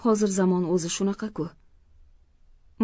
hozir zamon o'zi shunaqa ku